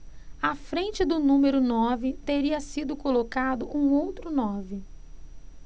à frente do número nove teria sido colocado um outro nove